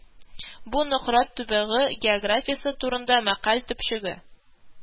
Бу Нократ төбәге географиясе турында мәкалә төпчеге